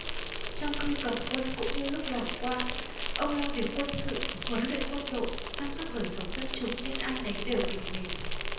trong khi cầm quân cũng như lúc làm quan ông lo việc quân sự huấn luyện quân đội săn sóc đời sống dân chúng nên ai nấy đều kính mến